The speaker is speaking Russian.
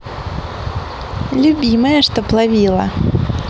любимая чтоб ловила